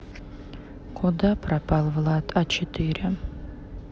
куда пропал влад а четыре